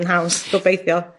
...yn haws gobeithio.